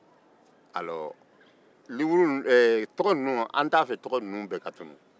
an t'a fɛ tɔgɔ ninnu bɛɛ ka tunun